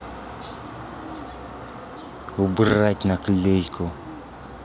убрать наклейку